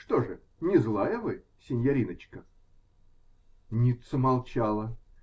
Что же, не злая вы, синьориночка? Ницца молчала.